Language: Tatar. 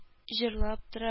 Җырлап тора